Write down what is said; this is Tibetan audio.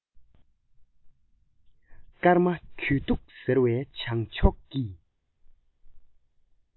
སྐར མ གྱོད གཏུགས ཟེར བའི བྱང ཕྱོགས ཀྱི